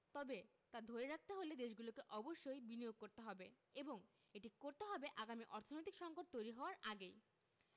তবে তা ধরে রাখতে হলে দেশগুলোকে অবশ্যই বিনিয়োগ করতে হবে এবং এটি করতে হবে আগামী অর্থনৈতিক সংকট তৈরি হওয়ার আগেই